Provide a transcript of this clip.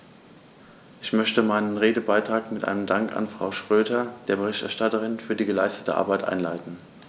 Ich möchte meinen Redebeitrag mit einem Dank an Frau Schroedter, der Berichterstatterin, für die geleistete Arbeit einleiten.